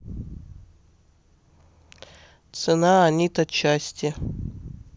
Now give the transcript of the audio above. цена онито части